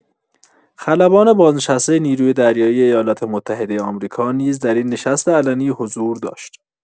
خلبان بازنشسته نیروی دریایی ایالات‌متحده آمریکا نیز در این نشست علنی حضور داشت.